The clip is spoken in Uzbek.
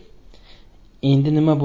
endi nima buladi